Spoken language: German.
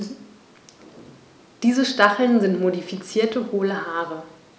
Diese Stacheln sind modifizierte, hohle Haare.